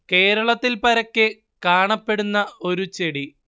കേരളത്തിൽ പരക്കെ കാണപ്പെടുന്ന ഒരു ചെടി